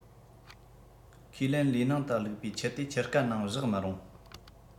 ཁས ལེན ལས ནང དུ བླུག པའི ཆུ དེ ཆུ རྐ ནང བཞག མི རུང